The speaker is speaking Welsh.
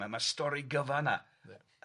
Ma' ma'r stori gyfa' yna,